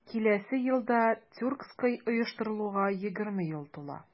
Киләсе елда Тюрксой оештырылуга 20 ел тула.